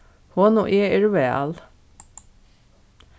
hon og eg eru væl